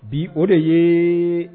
Bi o de yee